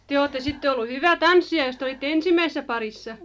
te olette sitten ollut hyvä tanssija jos te olitte ensimmäisessä parissa